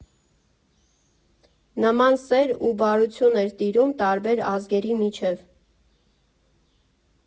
Նման սեր ու բարություն էր տիրում տարբեր ազգերի միջև։